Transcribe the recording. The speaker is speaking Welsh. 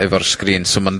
...efo'r sgrîn, so ma'n